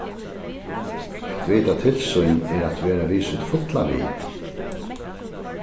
at vita til sín er at vera við sítt fulla vit